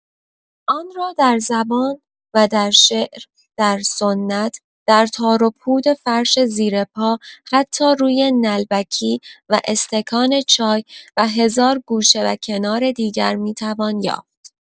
آن را در زبان، و در شعر، در سنت، در تاروپود فرش زیر پا، حتی روی نعلبکی و استکان چای، و هزار گوشه و کنار دیگر می‌توان یافت.